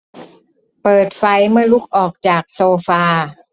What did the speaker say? เปิดไฟเมื่อลุกออกจากโซฟา